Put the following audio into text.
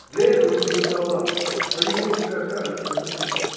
для этого нужен талант, а его у тебя, кажется, нет.